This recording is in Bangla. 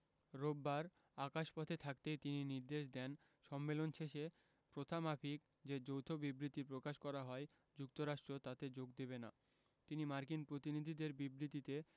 রোববার আকাশপথে থাকতেই তিনি নির্দেশ দেন সম্মেলন শেষে প্রথামাফিক যে যৌথ বিবৃতি প্রকাশ করা হয় যুক্তরাষ্ট্র তাতে যোগ দেবে না তিনি মার্কিন প্রতিনিধিদের বিবৃতিতে